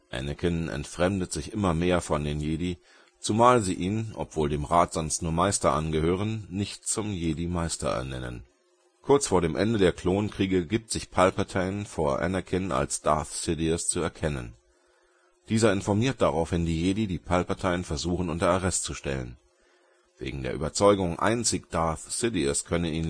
Anakin entfremdet sich immer mehr von den Jedi, zumal sie ihn - obwohl dem Rat sonst nur Meister angehören - nicht zum Jedi-Meister ernennen. Kurz vor dem Ende der Klonkriege gibt sich Palpatine vor Anakin als Darth Sidious zu erkennen. Dieser informiert daraufhin die Jedi, die Palpatine versuchen unter Arrest zu stellen. Wegen der Überzeugung, einzig Darth Sidious könne